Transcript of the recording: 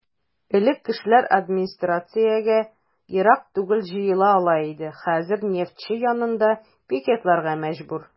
Элек кешеләр администрациягә ерак түгел җыела ала иде, хәзер "Нефтьче" янында пикетларга мәҗбүр.